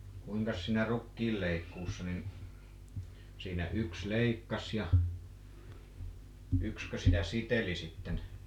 kuinkas siinä rukiinleikkuussa niin siinä yksi leikkasi ja yksikö sitä siteli sitten